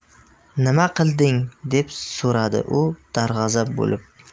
nima qilding deb so'radi u darg'azab bo'lib